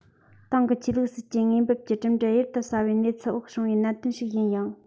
ཏང གི ཆོས ལུགས སྲིད ཇུས དངོས འབེབས ཀྱི འབྲས བུ གཡུར དུ ཟ བའི གནས ཚུལ འོག བྱུང བའི གནད དོན ཞིག ཡིན ཡང